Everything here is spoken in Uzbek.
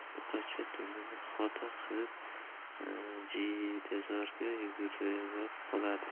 buqacha dumini xoda qilib jiydazorga yugurgilab qoladi